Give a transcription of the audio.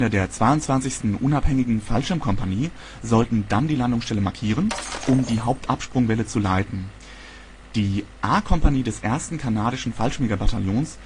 der 22. Unabhängigen Fallschirmkompanie sollten dann die Landungsstelle markieren um die Hauptabsprungwelle zu leiten. Die A-Kompanie des 1. Kanadischen Fallschirmjägerbataillons